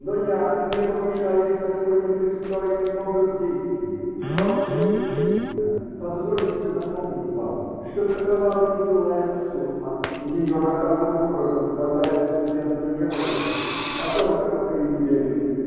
Но я, не покушаясь на такой непристойный образ действий, просто и искренно позволю себе напомнить вам, что, какова бы ни была эта сумма, ее роковым образом хватает студенту не на месяц, а только на три недели.